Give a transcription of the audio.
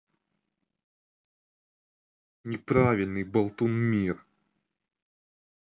неправильный болтун мир